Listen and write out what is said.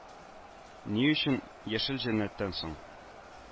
Ни өчен Яшел җәннәтән соң